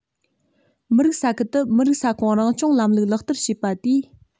མི རིགས ས ཁུལ དུ མི རིགས ས ཁོངས རང སྐྱོང ལམ ལུགས ལག བསྟར བྱས པ དེས